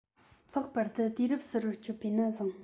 ལྷག པར དུ དུས རབས གསར པར བསྐྱོད པ ནས བཟུང